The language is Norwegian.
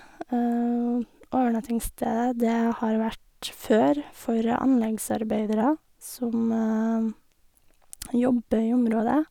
Overnattingsstedet, det har vært, før, for anleggsarbeidere som jobber i området.